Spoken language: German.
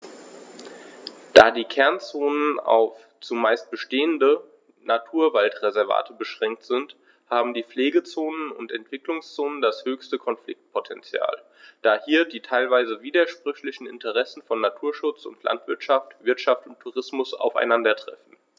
Da die Kernzonen auf – zumeist bestehende – Naturwaldreservate beschränkt sind, haben die Pflegezonen und Entwicklungszonen das höchste Konfliktpotential, da hier die teilweise widersprüchlichen Interessen von Naturschutz und Landwirtschaft, Wirtschaft und Tourismus aufeinandertreffen.